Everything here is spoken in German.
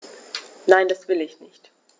Nein, das will ich nicht.